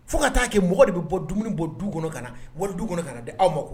Fo ka taa'a kɛ mɔgɔ de bɛ bɔ dumuni bɔ du kɔnɔ ka na wari du kɔnɔ ka na di aw ma